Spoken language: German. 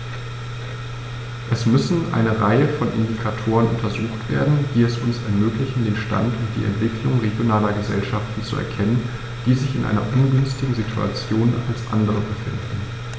Es müssen eine Reihe von Indikatoren untersucht werden, die es uns ermöglichen, den Stand und die Entwicklung regionaler Gesellschaften zu erkennen, die sich in einer ungünstigeren Situation als andere befinden.